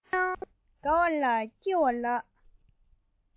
མཱེ མཱེ དགའ བ ལ ནི སྐྱིད པ ལ